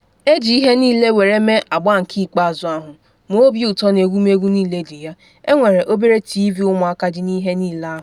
Eji ihe niile were mee agba nke ikpeazụ ahụ, ma obi uto na egwumegwu niile dị ya, enwere obere TV ụmụaka dị n’ihe niile ahụ.